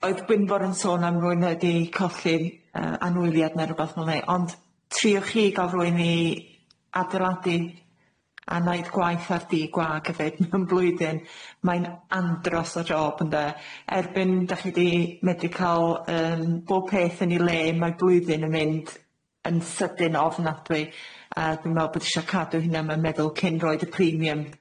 Oedd Gwynfor yn sôn am rywun wedi colli yy anwyliad ne' rwbath fel 'ny ond triwch chi ga'l rywun i adeiladu a neud gwaith ar dŷ gwag efyd mewn blwyddyn mae'n andros o job ynde erbyn dach chi 'di medru ca'l yym bob peth yn ei le mae blwyddyn yn mynd yn sydyn ofnadwy a dwi'n me'wl bod isio cadw hynna'm yn meddwl cyn roid y premium.